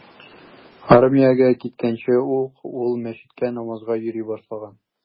Армиягә киткәнче ук ул мәчеткә намазга йөри башлаган.